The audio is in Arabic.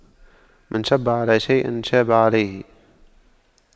من شَبَّ على شيء شاب عليه